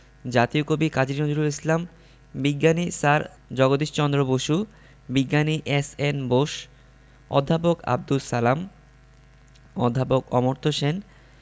জাতীয় কবি কাজী নজরুল ইসলাম বিজ্ঞানী স্যার জগদীশ চন্দ্র বসু বিজ্ঞানী এস.এন বোস অধ্যাপক আবদুস সালাম অধ্যাপক অমর্ত্য সেন